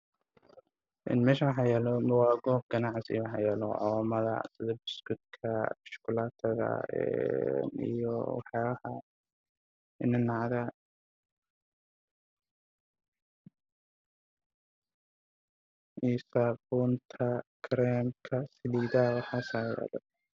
Meeshaan waxaa yaalo buskud shukulaato nanac iyo saabuunta saliida